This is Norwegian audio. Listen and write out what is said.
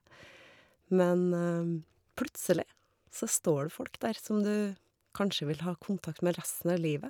Men plutselig så står det folk der som du kanskje vil ha kontakt med resten av livet.